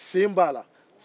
sen b'a la